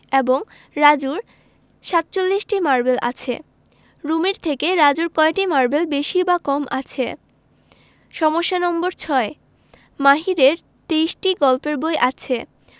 এবং রাজুর ৪৭টি মারবেল আছে রুমির থেকে রাজুর কয়টি মারবেল বেশি বা কম আছে সমস্যা নম্বর৬ মাহিরের ২৩টি গল্পের বই আছে